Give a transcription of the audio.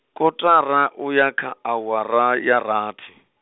kaṱara, uya kha awara, ya rathi.